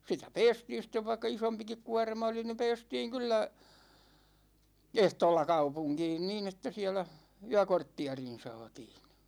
sitä päästiin sitten vaikka isompikin kuorma oli niin päästiin kyllä ehtoolla kaupunkiin niin että siellä yökortteerin saatiin